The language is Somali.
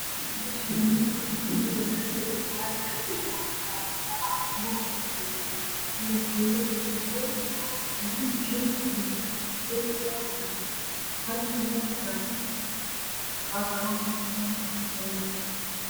Meeshaani waxaa noo yaalo sadex caag oo cadcad waxaa ku jiro saytuun kalarkooda waa gaduud iyo madow cadaan qalin iyo cadaan background danbe waa cadaan